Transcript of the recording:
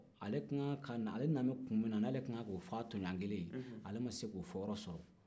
ale tun ka kan ka na ale nalen bɛ kun min na n'a tun ka kan k'o fɔ tɔɲɔgɔn kelen ye ale ma se k'o fɔyɔrɔ sɔrɔ